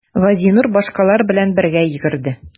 Газинур башкалар белән бергә йөгерде.